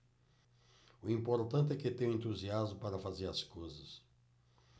o importante é que tenho entusiasmo para fazer as coisas